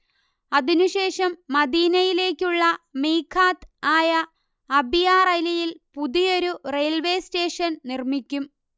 അതിനു ശേഷം മദീനയിലേക്കുള്ള മീഖാത്ത് ആയ അബിയാർ അലിയിൽ പുതിയൊരു റെയിൽവേ സ്റ്റേഷൻ നിർമ്മിക്കും